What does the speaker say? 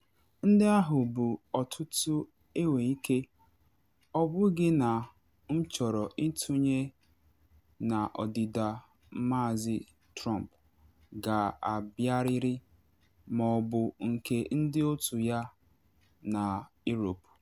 Nke ahụ bụ ọtụtụ enwee ike, ọ bụghị na m chọrọ ịtụnye na ọdịda Maazị Trump ga-abịarịrị - ma ọ bụ nke ndị otu ya na Europe.